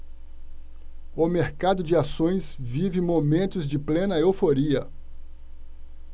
o mercado de ações vive momentos de plena euforia